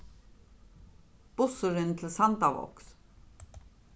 bussurin til sandavágs